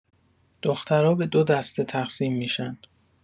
دخترا به دو دسته تقسیم می‌شن